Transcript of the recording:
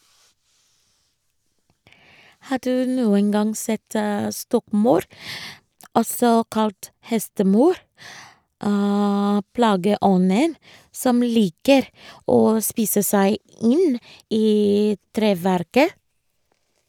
Har du noen gang sett stokkmaur, også kalt hestemaur, plageånden som liker å spise seg inn i treverket?